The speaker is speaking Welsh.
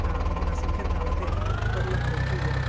A hwnna sy'n cynnal y peth mae'n byrlymu drwyddo fo.